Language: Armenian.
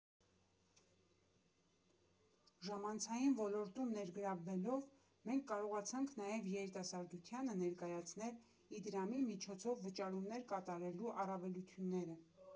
Ժամանցային ոլորտում ներգրավվելով՝ մենք կարողացանք նաև երիտասարդությանը ներկայացնել Իդրամի միջոցով վճարումներ կատարելու առավելությունները։